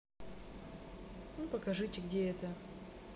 ну покажите где это